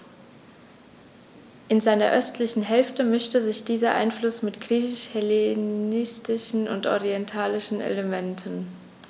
In seiner östlichen Hälfte mischte sich dieser Einfluss mit griechisch-hellenistischen und orientalischen Elementen.